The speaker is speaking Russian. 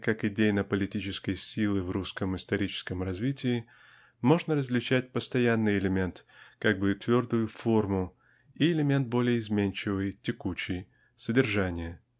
как идейно-политической силы в русском историческом развитии можно различать постоянный элемент как бы твердую форму и элемент более изменчивый текучий -- содержание.